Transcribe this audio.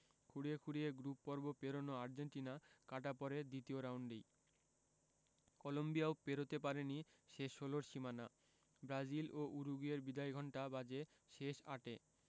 খুঁড়িয়ে খুঁড়িয়ে গ্রুপপর্ব পেরনো আর্জেন্টিনা কাটা পড়ে দ্বিতীয় রাউন্ডেই কলম্বিয়াও পেরোতে পারেনি শেষ ষোলোর সীমানা ব্রাজিল ও উরুগুয়ের বিদায়ঘণ্টা বাজে শেষ আটে